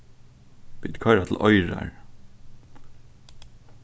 vit koyra til oyrar